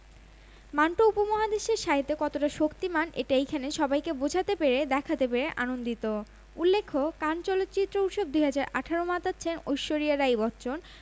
মান্টো উপমহাদেশের সাহিত্যে কতটা শক্তিমান এটা এখানে সবাইকে বোঝাতে পেরে দেখাতে পেরে আনন্দিত উল্লেখ্য কান চলচ্চিত্র উৎসব ২০১৮ মাতাচ্ছেন ঐশ্বরিয়া রাই বচ্চন